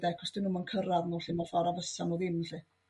achos 'di n'w'm yn cyrradd n'w 'llu mewn ffor' a fysa' n'w ddim 'llu.